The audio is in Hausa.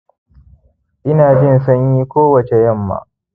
ina jin sanyi kowace yamma